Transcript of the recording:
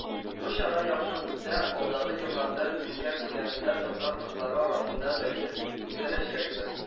"бу чара яхшы үтсә, алдагы елларда дөнья күләмендә татар кызлары арасында бәйге үткәрәчәкбез"